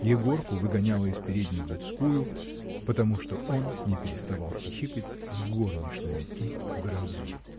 Егорку выгоняла из передней в людскую, потому что он не переставал хихикать с горничными и в грозу.